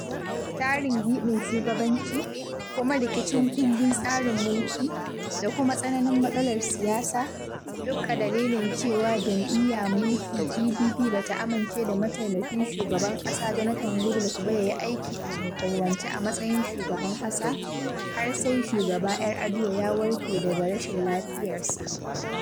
Tarin giɓin shugabanci, kusan rikicin kundin tsarin mulki, da kuma tsananin matsalar siyasa, duk a dalilin cewa jam’iyya mulki (PDP) ba ta amince da Mataimakin Shugaban Ƙasa (Jonathan Goodluck) ba ya yi aiki a hukumance a matsayin Shugaban Ƙasa, har sai Shugaba Yar’Adua ya warke daga rashin lafiyarsa.